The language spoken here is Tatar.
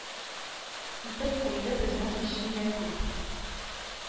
Итеп куйды, безнең өчен дә күп